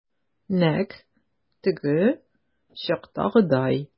Нәкъ теге чактагыдай.